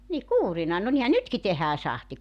niin kuurina no niinhän nytkin tehdään sahti